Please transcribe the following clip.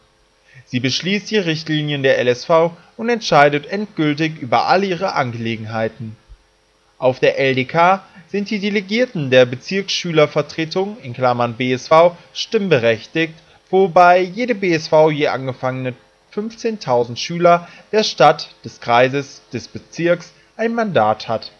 Sie beschließt die Richtlinien der LSV und entscheidet endgültig über alle ihre Angelegenheiten. Auf der LDK sind die Delegierten der Bezirksschülervertretungen (BSV) stimmberechtigt, wobei jede BSV je angefangene 15000 Schüler der Stadt/des Kreises/des Bezirks ein Mandat hat